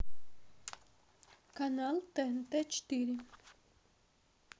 канал тнт четыре